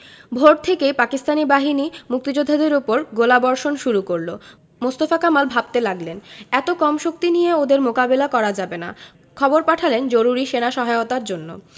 ভোর থেকেই পাকিস্তানি বাহিনী মুক্তিযোদ্ধাদের উপর গোলাবর্ষণ শুরু করল মোস্তফা কামাল ভাবতে লাগলেন এত কম শক্তি নিয়ে ওদের মোকাবিলা করা যাবে না খবর পাঠালেন জরুরি সেনা সহায়তার জন্য